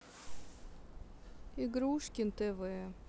игрушкин тв